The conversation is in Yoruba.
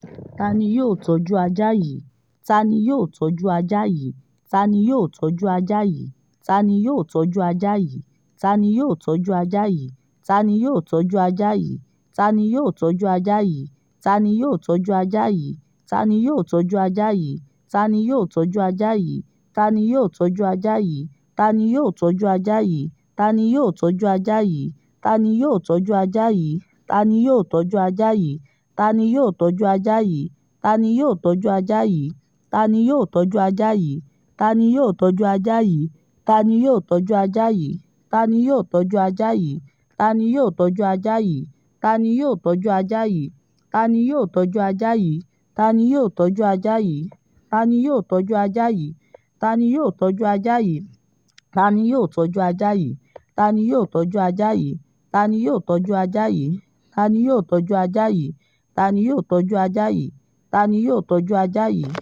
Tani yóò tọ́jú ajá yìí?